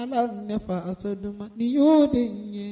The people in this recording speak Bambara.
Ala ne asɔ dɔ ma nin y' de ɲɛ